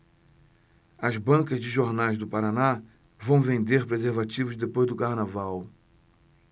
as bancas de jornais do paraná vão vender preservativos depois do carnaval